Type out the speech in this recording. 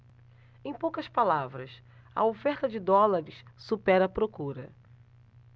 em poucas palavras a oferta de dólares supera a procura